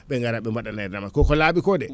ɓe gara ɓe mbaɗana en deema koko laaɓi ko nde